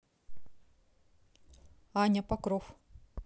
аня покров